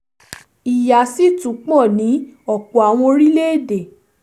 "Ìyà sì tún pọ̀ ní ọ̀pọ̀ àwọn orílẹ̀-èdè."